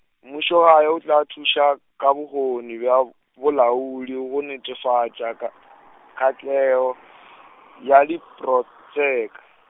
mmušogae o tla thuša ka bokgoni bja b- bolaodi go netefatša ka, katlego , ya diprotšeke.